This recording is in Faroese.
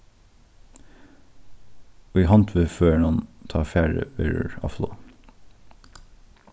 í hondviðførinum tá farið verður á flog